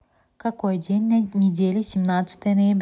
какой день недели семнадцатое ноября